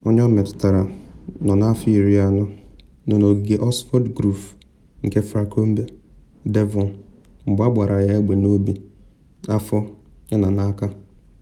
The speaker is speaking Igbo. Onye ọ metụtara, nọ n’afọ 40, nọ n’ogige Oxford Grove nke llfracombe, Devon, mgbe agbara ya egbe n’obi, afọ yana aka.